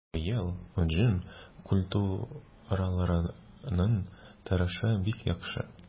Быел уҗым культураларының торышы бик яхшы.